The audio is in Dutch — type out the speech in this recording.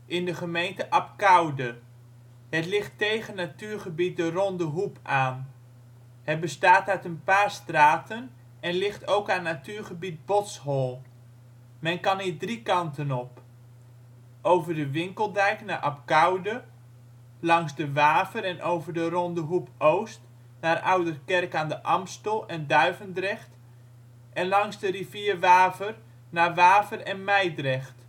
in de gemeente Abcoude. Het ligt tegen natuurgebied de Ronde Hoep aan. Het bestaat uit een paar straten, en ligt ook aan natuurgebied Botshol. Men kan hier drie kanten op: Over de Winkeldijk naar Abcoude Langs de Waver en over de Rondehoep Oost naar Ouderkerk aan de Amstel en Duivendrecht Langs de rivier Waver naar Waver en Mijdrecht